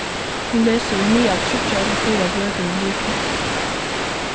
hon lesur í miðal tríggjar ella fýra bøkur um vikuna